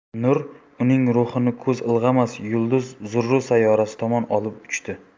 nur uning ruhini ko'z ilg'amas yulduz zurru sayyorasi tomon olib uchdi